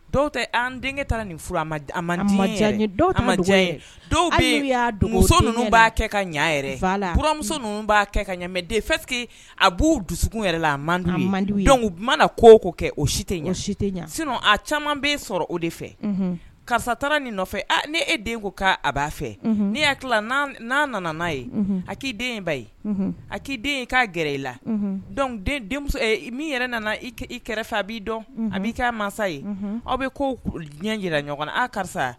Dɔw tɛ denkɛ taara nin furu dɔw ninnu b'a kɛ ka ɲɛ lamuso b'a kɛ ka ɲamɛden a b'u dusu yɛrɛ la dɔnku u ko ko kɛ o si si ɲɛ sin a caman bɛ sɔrɔ o de fɛ karisa taara nin nɔfɛ ni e den ko k' a b'a fɛ nia n'a nana n'a ye a k'i den in ba ye a k'i den k'a gɛrɛ i la min yɛrɛ nana i kɛrɛfɛ a b'i dɔn a b'i kɛ masa ye aw bɛ ko diɲɛ jira ɲɔgɔn aa karisa